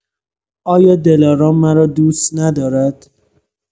آیا دلارام مرا دوست ندارد؟!